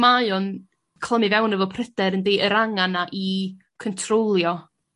mai o'n clymu fewn efo pryder yndi yr angan 'na i cyntrolio